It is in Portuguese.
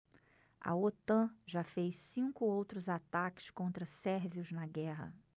a otan já fez cinco outros ataques contra sérvios na guerra